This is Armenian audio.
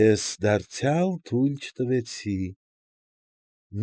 Ես դարձյալ թույլ չտվեցի։